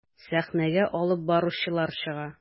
Сәхнәгә алып баручылар чыга.